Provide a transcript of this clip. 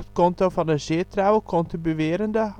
konto van een zeer trouwe contribuerende